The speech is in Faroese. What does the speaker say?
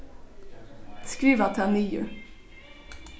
skriva tað niður